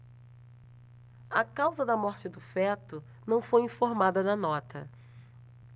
a causa da morte do feto não foi informada na nota